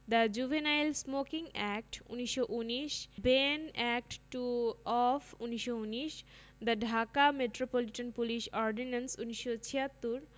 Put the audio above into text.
The juvenile smoking act ১৯১৯ Ben. Act two of ১৯১৯ the Dhaka metropolitan police ordinance ১৯৭৬ ordinance. নং. Three of ১৯৭৬